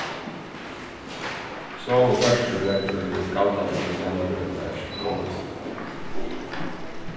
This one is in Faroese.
somu ferðslureglur galda tá tú rennur ella ert til gongu